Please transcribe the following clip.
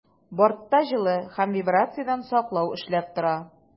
Бортта җылы һәм вибрациядән саклау эшләп тора.